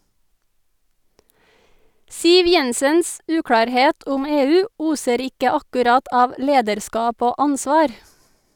Siv Jensens uklarhet om EU oser ikke akkurat av lederskap og ansvar.